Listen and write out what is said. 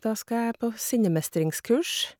Da skal jeg på sinnemestringskurs.